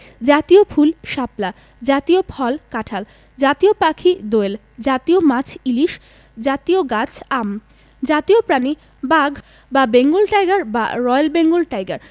জাতীয় ফুলঃ শাপলা জাতীয় ফলঃ কাঁঠাল জাতীয় পাখিঃ দোয়েল জাতীয় মাছঃ ইলিশ জাতীয় গাছঃ আম জাতীয় প্রাণীঃ বাঘ বা বেঙ্গল টাইগার বা রয়েল বেঙ্গল টাইগার